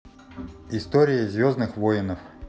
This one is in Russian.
истории звездных воинов